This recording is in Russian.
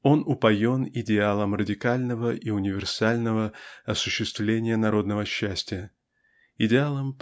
он упоен идеалом радикального и универсального осуществления народного счастья -- идеалом